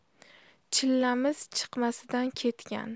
chillamiz chiqmasidan ketgan